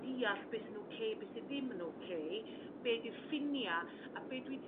deall be sy'n ok be sy ddim yn ok be di'r ffinia' a be dwi 'di